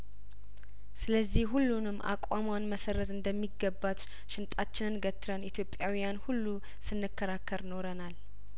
ስለዚህ ሁሉንም አቋቋሟን መሰረዝ እንደሚገባት ሽንጣችንን ገትረን ኢትዮጵያውያን ሁሉ ስንከራከር ኖረናል